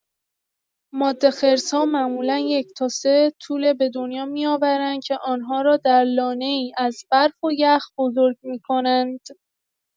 ماده خرس‌ها معمولا یک تا سه توله به دنیا می‌آورند که آن‌ها را در لانه‌ای از برف و یخ بزرگ می‌کنند.